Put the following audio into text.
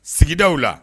Sigidaw la